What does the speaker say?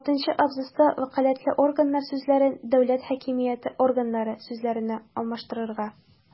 Алтынчы абзацта «вәкаләтле органнар» сүзләрен «дәүләт хакимияте органнары» сүзләренә алмаштырырга;